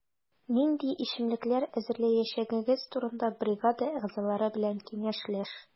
Нинди эчемлекләр әзерләячәгегез турында бригада әгъзалары белән киңәшләш.